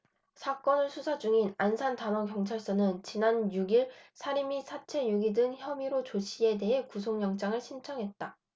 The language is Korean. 사건을 수사중인 안산단원경찰서는 지난 육 일 살인 및 사체유기 등 혐의로 조씨에 대해 구속영장을 신청했다